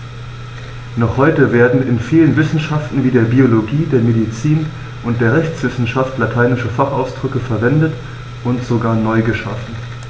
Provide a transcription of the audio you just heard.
Noch heute werden in vielen Wissenschaften wie der Biologie, der Medizin und der Rechtswissenschaft lateinische Fachausdrücke verwendet und sogar neu geschaffen.